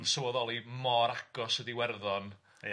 yn sylweddoli mor agos ydi Iwerddon... Ia.